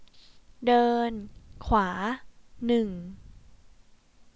เดินขวาหนึ่ง